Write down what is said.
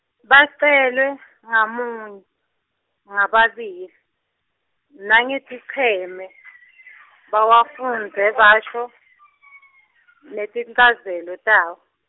Bacelwe ngamun-, ngababili, nangeticheme bawafundze basho netinchazelo tawo.